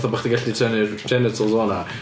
fatha bo' chdi'n gallu tynnu'r genitals o 'na.